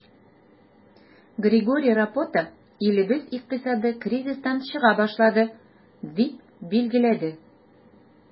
Григорий Рапота, илебез икътисады кризистан чыга башлады, дип билгеләде.